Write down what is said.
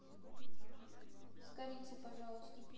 с корицей пожалуйста